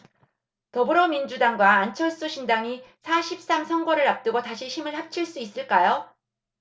더불어민주당과 안철수 신당이 사 십 삼 선거를 앞두고 다시 힘을 합칠 수 있을까요